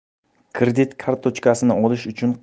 kredit kartochkasini olish uchun